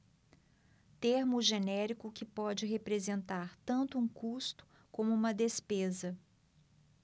termo genérico que pode representar tanto um custo como uma despesa